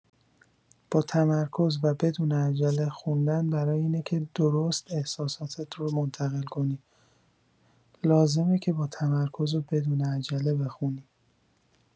با تمرکز و بدون عجله خوندن برای اینکه درست احساساتت رو منتقل کنی، لازمه که با تمرکز و بدون عجله بخونی.